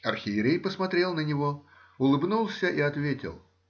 Архиерей посмотрел на него, улыбнулся и ответил